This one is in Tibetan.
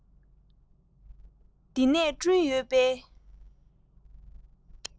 འདི ནས བསྐྲུན ཡོད པའི